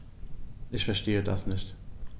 Ich verstehe das nicht.